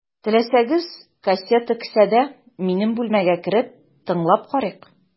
Теләсәгез, кассета кесәдә, минем бүлмәгә кереп, тыңлап карыйк.